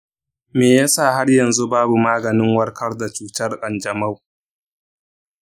me ya sa har yanzu babu maganin warkar da cutar kanjamau?